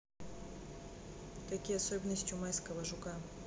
какие особенности у майского жука